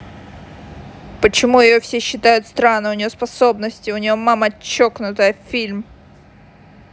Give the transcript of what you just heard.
почему ее все считают страны у нее способности у нее мама чокнутая фильм